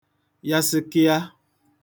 yasịkịa